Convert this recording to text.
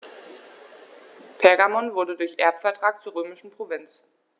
Pergamon wurde durch Erbvertrag zur römischen Provinz.